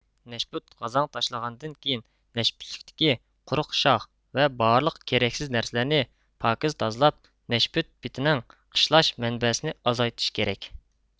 نەشپۈت غازاڭ تاشلىغاندىن كېيىن نەشپۈتلۈكتىكى قۇرۇق شاخ ۋە بارلىق كېرەكسىز نەرسىلەرنى پاكىز تازىلاپ نەشپۈت پىتىنىڭ قىشلاش مەنبەسىنى ئازايتىش كېرەك